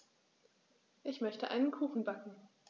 Ich möchte einen Kuchen backen.